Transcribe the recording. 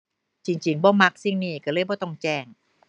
จริงจริงบ่มักสิ่งนี้ ก็เลยบ่ต้องแจ้ง